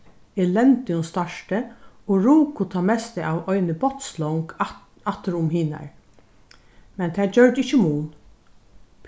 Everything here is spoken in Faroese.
elendigum starti og ruku tað mesta av eini aftur um hinar men tað gjørdi ikki mun